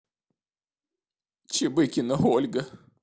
чебыкина ольга